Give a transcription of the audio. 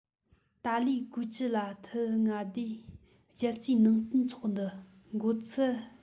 ཏཱ ལས ཀུའུ ཅི ལ ཐི མངའ སྡེའི རྒྱལ སྤྱིའི ནང བསྟན ཚོགས འདུ འགོ ཚུགས མཛད སྒོའི ཐོག